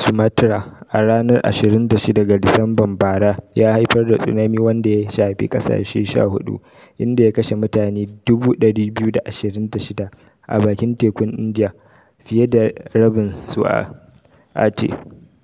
Sumatra a ranar 26 ga Disamban bara ya haifar da tsunami wanda ya shafi kasashe 14, inda ya kashe mutane 226,000 a bakin tekun Indiya, fiye da rabin su a Aceh.